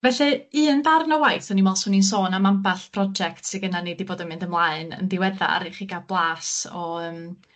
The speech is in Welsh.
felly un darn o waith o'n i'n me'wl swn i'n sôn am amball project sy gynna ni 'di bod yn mynd ymlaen yn diweddar i chi ga'l blas o yym